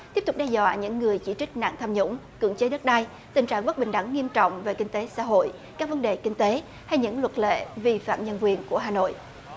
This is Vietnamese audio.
tiếp tục đe dọa những người chỉ trích nạn tham nhũng cưỡng chế đất đai tình trạng bất bình đẳng nghiêm trọng về kinh tế xã hội các vấn đề kinh tế hay những luật lệ vi phạm nhân quyền của hà nội